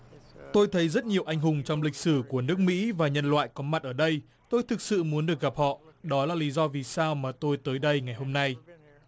tôi thấy rất nhiều anh hùng trong lịch sử của nước mỹ và nhân loại có mặt ở đây tôi thực sự muốn được gặp họ đó là lý do vì sao mà tôi tới đây ngày hôm nay